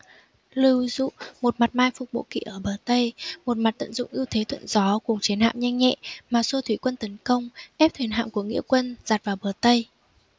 lưu dụ một mặt mai phục bộ kỵ ở bờ tây một mặt tận dụng ưu thế thuận gió cùng chiến hạm nhanh nhẹ mà xua thủy quân tấn công ép thuyền hạm của nghĩa quân dạt vào bờ tây